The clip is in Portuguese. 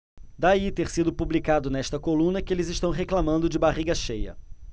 daí ter sido publicado nesta coluna que eles reclamando de barriga cheia